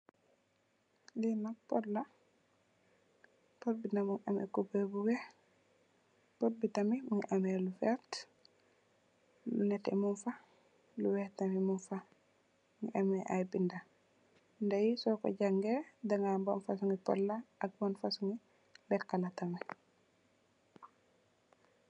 Lii nak pot la, pot bu am cubeer bu weex. Pot bi tamit mungi am lu werta, lu neteh mungfa, lu weex tamit mungfa mu am ay binda binda. Binda yi nak suko jangee, dangai ham ban fosum pot la ak ban fosum leka la tamit.